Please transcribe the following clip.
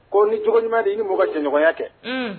Ko ni j ɲuman de i ni mɔgɔ janɲɔgɔnya kɛ